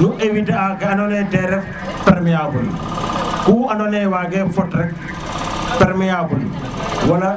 nous éviter a ka ando na ye te ref permeyable ku ando na ye wage fot rek permeyable wala